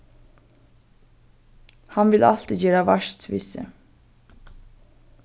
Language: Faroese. hann vil altíð gera vart við seg